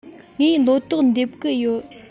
ངས ལོ ཏོག འདེབས གི ཡོད